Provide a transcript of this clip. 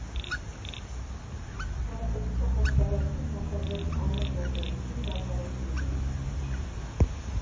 «Հանրապետության ողջ տարածքում հանցագործ ամեն գործողություն դադարեցնում ենք։